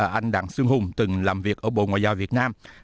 anh đặng xuân hùng từng làm việc ở bộ ngoại giao việt nam